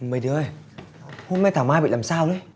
mấy đứa ơi hôm nay thảo mai bị làm sao đấy